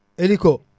hélico